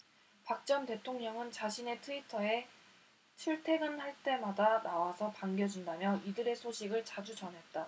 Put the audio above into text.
박 전 대통령은 자신의 트위터에 출퇴근할 때마다 나와서 반겨준다며 이들의 소식을 자주 전했다